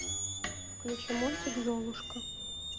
включи мультик золушка